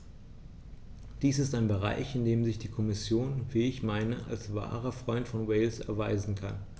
Dies ist ein Bereich, in dem sich die Kommission, wie ich meine, als wahrer Freund von Wales erweisen kann.